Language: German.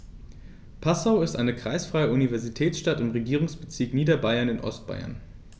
Passau ist eine kreisfreie Universitätsstadt im Regierungsbezirk Niederbayern in Ostbayern.